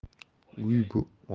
uy bu